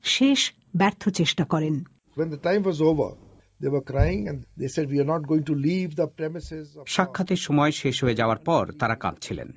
শেষ ব্যর্থ চেষ্টা করেন then the time was over they were crying you are not going to leave the premises সাক্ষাতের সময় শেষ হয়ে যাওয়ার পর তারা কাঁদছিলেন